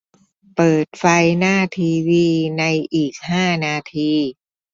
เปิดไฟหน้าทีวีในอีกห้านาที